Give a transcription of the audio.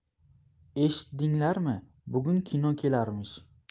eshitdinglarmi bugun kino kelarmish